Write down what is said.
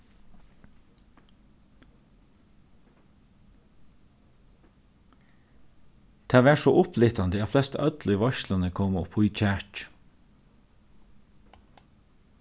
tað var so upplyftandi at flestøll í veitsluni komu upp í kjakið